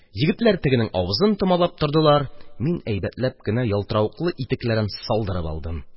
Егетләр тегенең авызын томалап тордылар, мин әйбәтләп кенә ялтыравыклы итекләрен салдырып алдым.